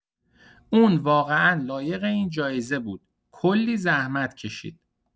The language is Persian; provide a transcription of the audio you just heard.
اون واقعا لایق این جایزه بود، کلی زحمت کشید.